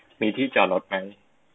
มีที่จอดรถไหม